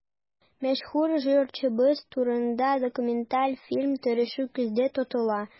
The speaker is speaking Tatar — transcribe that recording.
Мәшһүр җырчыбыз турында документаль фильм төшерү күздә тотыла.